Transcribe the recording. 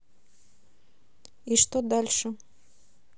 и что дальше